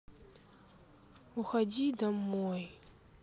уходи домой